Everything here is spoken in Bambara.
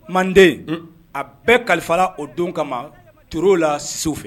Manden a bɛɛ kalifala o don kama turew la Cusew fɛ.